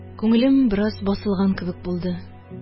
Күңелем бераз басылган кебек булды